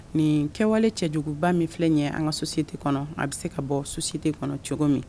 Nin kɛwale cɛ juguba min filɛ ye an ka sosite kɔnɔ a bɛ se ka bɔ susite kɔnɔ cogo min